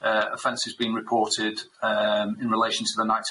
yy offensives been reported yym in relation to the night